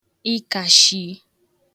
ịkashiì